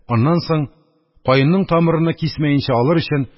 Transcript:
Аннан соң, каенның тамырыны кисмәенчә алыр өчен,